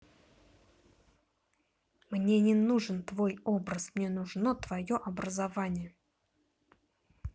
мне не нужен твой образ мне нужно твое образование